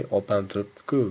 opam turibdi ku